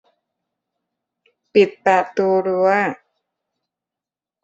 ปิดประตูรั้ว